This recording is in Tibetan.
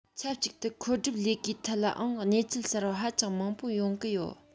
ཆབས ཅིག ཏུ མཁོ སྒྲུབ ལས ཀའི ཐད ལའང གནས ཚུལ གསར པ ཧ ཅང མང པོ ཡོང གི ཡོད